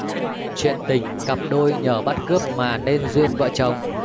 chuyện tình cặp đôi nhờ bắt cướp mà nên duyên vợ chồng